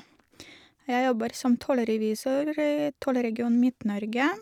Jeg jobber som tollrevisor i Tollregion Midt-Norge.